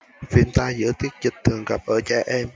viêm tai giữa tiết dịch thường gặp ở trẻ em